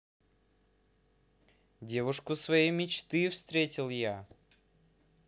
девушку своей мечты встретил я